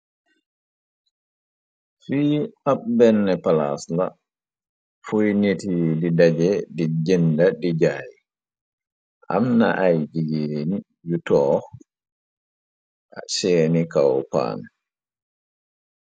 Fi ab benn palaas la fuy nity di daje di jënda di jaay amna ay jijéen yu toox seeni kawpaan.